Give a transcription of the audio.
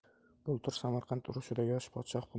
bultur samarqand urushida yosh podshoh